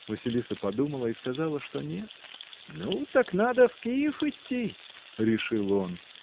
Василиса подумала и сказала, что нет. — Ну так надо в Киев идти! — решил он.